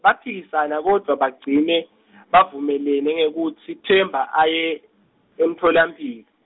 baphikisana kodvwa bagcine, bavumelene ngekutsi Themba aye, emtfolamphilo.